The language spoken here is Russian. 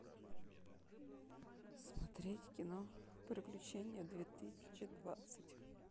смотреть кино приключения две тысячи двадцать